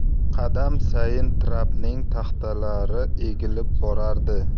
qadam sayin trapning taxtalari egilib borardi